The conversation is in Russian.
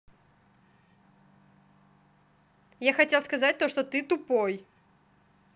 я хотел сказать то что ты тупой